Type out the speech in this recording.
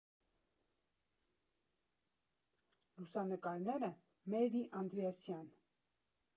Լուսանկարները՝ Մերրի Անդրեասյան։